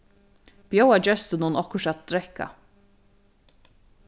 bjóða gestunum okkurt at drekka